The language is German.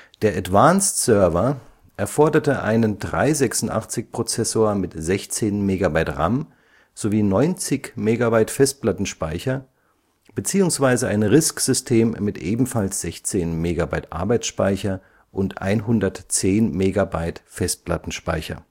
Der Advanced Server erforderte einen 386-Prozessor mit 16 MB RAM sowie 90 MB Festplattenspeicher, bzw. ein RISC-System mit ebenfalls 16 MB Arbeitsspeicher und 110 MB Festplattenspeicher